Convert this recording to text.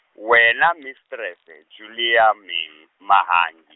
wena Mistrese, Julia Mhi-, Mahangi.